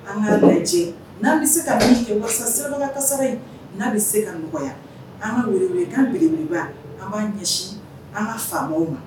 An ka lajɛ cɛ n'an bɛ se ka minfasakasa ye n'a bɛ se ka nɔgɔya an ka weeleb anelebele an' ɲɛsin an ka faamaw ma